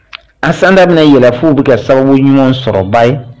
A san da mina yɛlɛf'u bi kɛ sababu ɲumanw sɔrɔ ba ye